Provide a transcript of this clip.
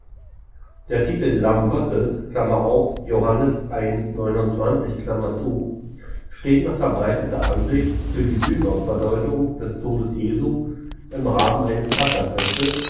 Der Titel „ Lamm Gottes “(Joh 1,29 EU) steht nach verbreiteter Ansicht für die Sühnopfer-Deutung des Todes Jesu im Rahmen eines Passahfestes